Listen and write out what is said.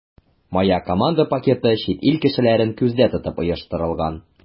“моя команда” пакеты чит ил кешеләрен күздә тотып оештырылган.